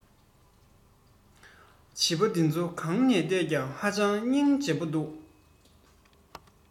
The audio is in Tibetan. བྱིས པ འདི ཚོ གང ནས ལྟས ཀྱང ཧ ཅང རྙིང རྗེ པོ འདུག